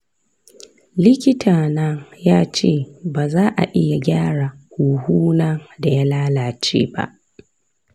likita na yace ba za'a iya gyara huhuna da ya lalace ba.